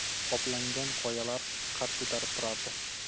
qoplangan qoyalar qad ko'tarib turardi